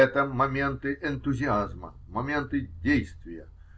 Это -- моменты энтузиазма, моменты действия.